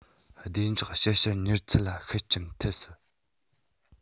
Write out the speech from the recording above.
བདེ འཇགས ཞིབ བཤེར མྱུར ཚད ལ ཤུགས རྐྱེན ཐེབས སྲིད